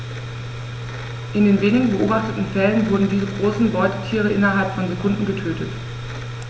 In den wenigen beobachteten Fällen wurden diese großen Beutetiere innerhalb von Sekunden getötet.